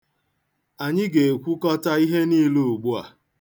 Anyị ga-ekwukọta ihe niile ugbua.